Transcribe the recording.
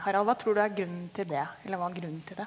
Harald, hva tror du er grunnen til det, eller hva er grunnen til det?